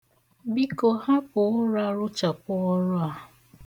Biko hapụ ụra rụchapụ ọrụ a.